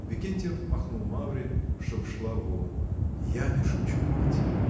Викентьев махнул Мавре, чтоб шла вон. — Я не шучу, мать!